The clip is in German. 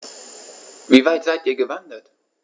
Wie weit seid Ihr gewandert?